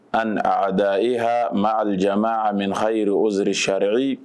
A ad eh ma alijan ma a min hayi oziricriri